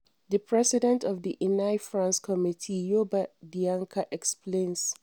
The president of the Inal-France Committee, Youba Dianka, explains: